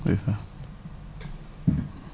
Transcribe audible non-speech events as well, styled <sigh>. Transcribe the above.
ndeysaan <noise>